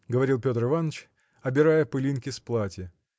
– говорил Петр Иваныч, обирая пылинки с платья.